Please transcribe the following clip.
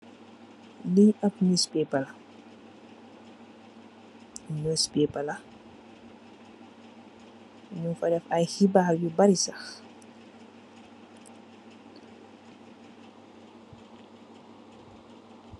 Li ab news paper la, news paper la. mung fa deff ay heebar yu bari sah.